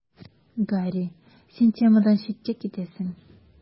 Гарри: Син темадан читкә китәсең.